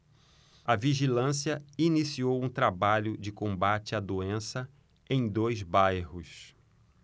a vigilância iniciou um trabalho de combate à doença em dois bairros